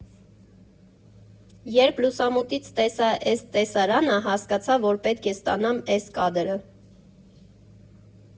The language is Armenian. Երբ լուսամուտից տեսա էս տեսարանը, հասկացա, որ պետք է ստանամ էս կադրը։